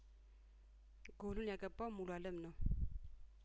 ጐሉን ያገባው ሙሉአለም ነው